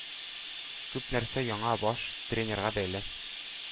Күп нәрсә яңа баш тренерга бәйле.